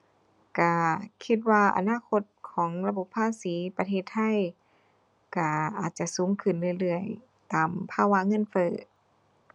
ก็คิดว่าอนาคตของระบบภาษีประเทศไทยก็อาจจะสูงขึ้นเรื่อยเรื่อยตามภาวะเงินเฟ้อ